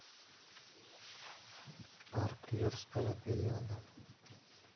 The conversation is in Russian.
парк юрского периода